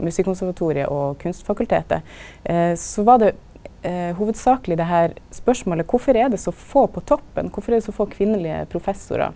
musikkonservatoriet og kunstfakultetet så var det hovudsakleg det her spørsmålet, kvifor er det så få på toppen, kvifor er det så få kvinnelege professorar?